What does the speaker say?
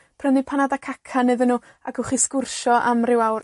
Prynu panad a cacan iddyn nw. A gewch chi sgwrsio am ryw awr.